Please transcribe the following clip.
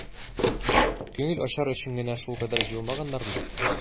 Күңел ачар өчен генә шулкадәр җыелмаганнар бит.